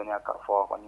Ko karamɔgɔ